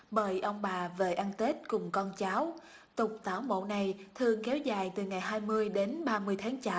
bời ông bà về ăn tết cùng con cháu tục tảo mộ này thường kéo dài từ ngày hai mươi đến ba mươi tháng chạp